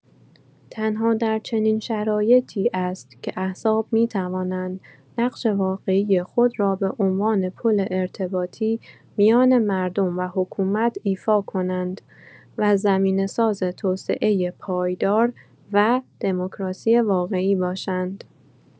تنها در چنین شرایطی است که احزاب می‌توانند نقش واقعی خود را به عنوان پل ارتباطی میان مردم و حکومت ایفا کنند و زمینه‌ساز توسعه پایدار و دموکراسی واقعی باشند.